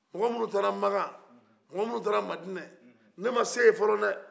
n ko minnu taara makan n ko minnu taara madina ma se ye fɔlɔ dɛ